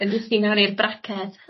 din ngni'r braced